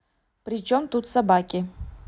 причем тут собаки